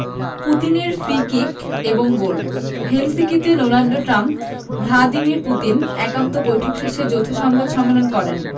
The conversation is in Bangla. পুতিনের ফ্রি কিক এবং গোল হেলসিঙ্কিতে ডোনাল্ড ট্রাম্প ও ভ্লাদিমির পুতিন একান্ত বৈঠক শেষে যৌথ সংবাদ সম্মেলন করেন